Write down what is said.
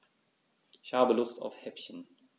Ich habe Lust auf Häppchen.